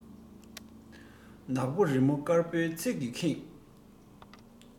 ནག པོའི རི མོ དཀར པོའི ཚིག གིས ཁེངས